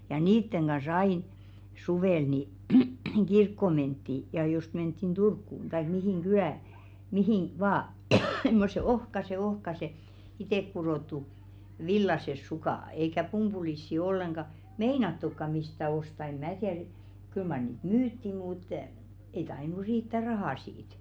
ja niiden kanssa aina suvella niin kirkkoon mentiin ja jos mentiin Turkuun tai mihin kylään mihin vain semmoiset ohkaiset ohkaiset itsekudottu villaiset sukat eikä - pumpulisia ollenkaan meinattukaan mistään ostaa ei minä tiedä kyllä mar niitä myytiin mutta ei tainnut riittää raha siitä